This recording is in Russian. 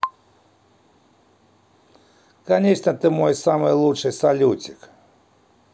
конечно ты мой самый лучший салютик